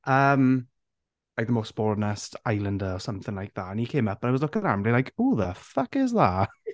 Yym, ai the most boringest islander or something like that. And he came up and I was looking at him being like who the fuck is that?